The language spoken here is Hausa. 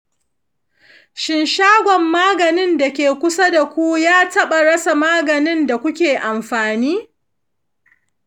shin shagon maganin da ke kusa daku ya taɓa rasa maganin da kuke amfani?